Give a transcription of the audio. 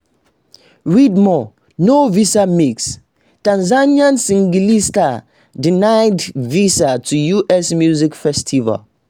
Read more: ‘No Visa Mix': Tanzanian singeli stars denied visas to US music festival